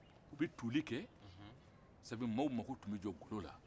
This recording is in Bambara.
u b tuulik sabu maaw mako tun b jɔ golo la